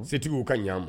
Setigiww ka ɲa ma